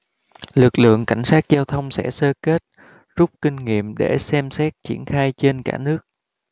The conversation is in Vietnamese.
lực lượng cảnh sát giao thông sẽ sơ kết rút kinh nghiệm để xem xét triển khai trên cả nước